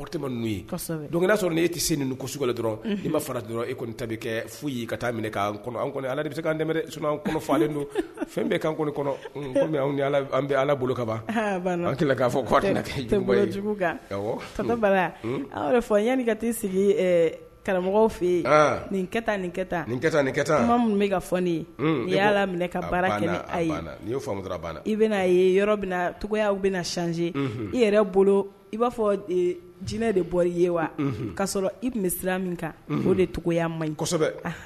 Tɛ se dɔrɔn i' fara dɔrɔn e ta kɛ se don fɛn bɛ bɛ bolo bala fɔ yanani ka taa sigi karamɔgɔ fɛ yen nin kɛta ni kɛ nin ka ni kɛ minnu bɛ ka fɔ ne ye i yala minɛ ka baara kɛo la i bɛna yɔrɔcogo bɛna najie i yɛrɛ bolo i b'a fɔ jinɛinɛ de bɔ ye wa k ka sɔrɔ i tun bɛ siran min kan de cogoyaya man ɲi